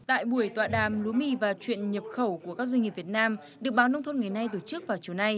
tại buổi tọa đàm lúa mì và chuyện nhập khẩu của các doanh nghiệp việt nam được báo nông thôn ngày nay tổ chức vào chiều nay